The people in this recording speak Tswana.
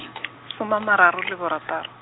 soma a mararo le borataro.